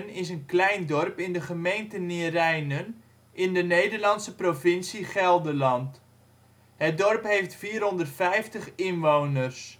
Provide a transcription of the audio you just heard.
is een klein dorp in de gemeente Neerijnen, in de Nederlandse provincie Gelderland. Het dorp heeft 450 inwoners